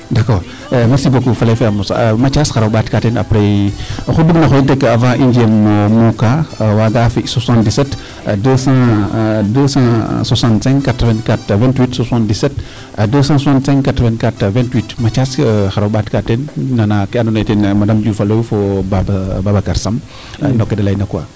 D' accord merci beaucoup fa lay fe a mosa Mathiase xar o ɓaatkaa teen après oxu bug na xooyit rek avant i njeemo muuka waaga fi 772658428 772658428 Mathiase xar o ɓaatkaa teen nanaa ke andoona ye ten Madame Diouf a layu fo Babacar Samb no keede layna quoi.